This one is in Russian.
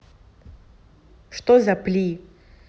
что за пли